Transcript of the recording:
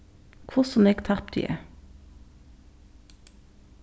hvussu nógv tapti eg